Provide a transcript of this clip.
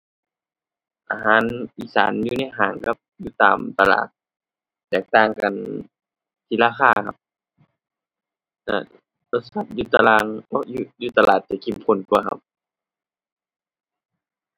อาหารอีสานอยู่ในห้างกับอยู่ตามตลาด แตกต่างกันที่ราคาครับ แต่รสชาติอยู่ตะล่าง โอ๊ะ อยู่ อยู่ตลาดจะเข้มข้นกว่าครับ